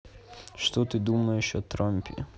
что ты думаешь о трампе